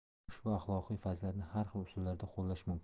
ushbu axloqiy fazilatni har xil usullarda qo'llash mumkin